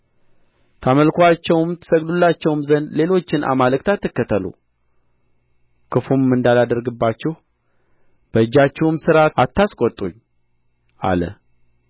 ታመልኩአቸውም ትሰግዱላቸውም ዘንድ ሌሎችን አማልክት አትከተሉ ክፉም እንዳላደርግባችሁ በእጃችሁ ሥራ አታስቈጡኝ አለ